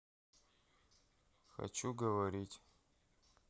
хочу говорить